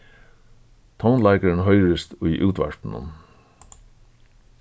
tónleikurin hoyrist í útvarpinum